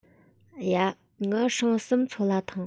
ཡ ངའ སྲང གསུམ ཚོད ལ ཐོངས